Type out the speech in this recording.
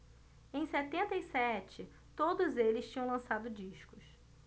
em setenta e sete todos eles tinham lançado discos